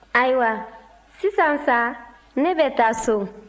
ayiwa sisan sa ne bɛ taa so